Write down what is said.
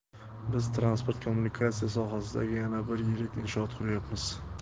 biz transport kommunikatsiya sohasidagi yana bir yirik inshoot quryapmiz